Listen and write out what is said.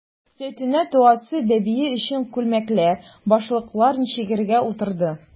Зәйтүнә туасы бәбие өчен күлмәкләр, башлыклар чигәргә утырды.